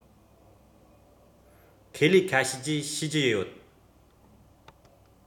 ཁེ ལས ཁ ཤས ཀྱིས བཤས ཀྱི ཡོད